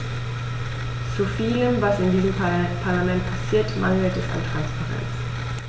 Zu vielem, was in diesem Parlament passiert, mangelt es an Transparenz.